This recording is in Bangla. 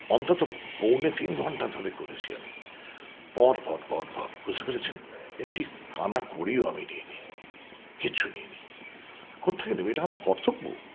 অন্তত পৌনে তিন ঘন্টা ধরে করেছি আমি পর পর পর পর বুঝতে পেরেছেন একটি কানা করিও আমি নেইনি কিচ্ছু নেই নি কোত্থেকে নিব এটা আমার কর্তব্য